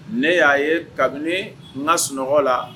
Ne y'a ye kabini n ka sunɔgɔ la.